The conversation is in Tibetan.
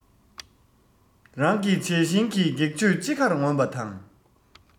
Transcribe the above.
རང གི བྱད བཞིན གྱི སྒེག ཆོས ཅི འགར ངོམ པ དང